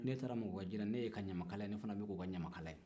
ne ye ka ɲamakala ye ne bɛ k'o fana ka ɲamakala ye